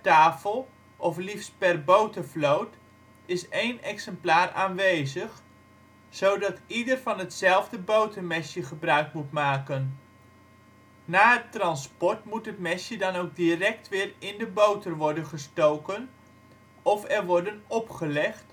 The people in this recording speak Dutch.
tafel, of liever per botervloot, is één exemplaar aanwezig, zodat ieder van hetzelfde botermesje gebruik moet maken. Na het " transport " moet het mesje dan ook direct weer in de boter worden gestoken (of er worden opgelegd),